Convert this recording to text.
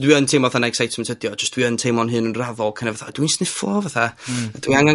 Dwi yn teimlo 'tha ma' excitement ydi o, jyst dwi yn teimlo'n hun yn raddol kind of ydwi i'n sniffo, fatha... Hmm. ydw i angan